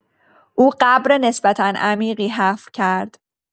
او قبر نسبتا عمیقی حفر کرد.